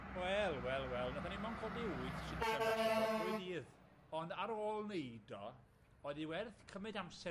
wel, wel, wel, nathon ni'm on' codi wyth shitsen plasterboard trwy dydd, ond ar ôl neud o, oedd hi werth cymyd amser...